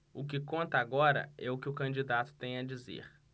o que conta agora é o que o candidato tem a dizer